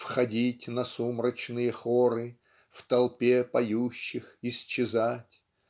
Входить на сумрачные хоры В толпе поющих исчезать.